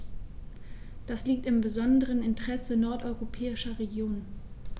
Dies liegt im besonderen Interesse nordeuropäischer Regionen.